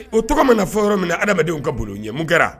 O tɔgɔ mana na fɛn yɔrɔ minna adamadenw ka bolo ɲɛ mun kɛra